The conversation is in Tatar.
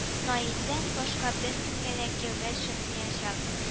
Наилдән башка беркемгә дә кияүгә чыкмаячак